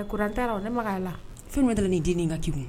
Kurantɛ ne ma la fɛn bɛ da ni den in ka'